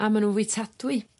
a ma' nw'n fwytadwy.